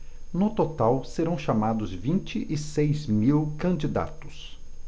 no total serão chamados vinte e seis mil candidatos